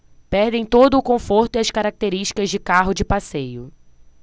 perdem todo o conforto e as características de carro de passeio